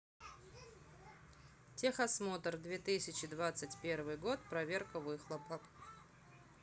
техосмотр две тысячи двадцать первый год проверка выхлопа